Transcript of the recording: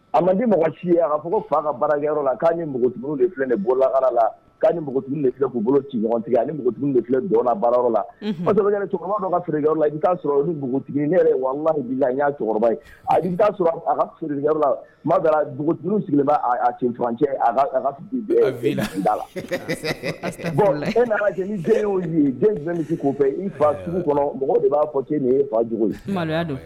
A man di mɔgɔ ci ye a fɔ fa ka bara la'a npogotigiw filɛ de bɔla ala la' npogo filɛ k' bolo ci ɲɔgɔn tigɛ a npogo de filɛnayɔrɔ la cɛkɔrɔba feere la i'a sɔrɔ ni npogotigi wa n'a cɛkɔrɔba'a sɔrɔ la sigilen fan cɛ la bɔn e nana bɛ k'u fɛ i fa kɔnɔ mɔgɔ de b'a fɔ e nin fa cogo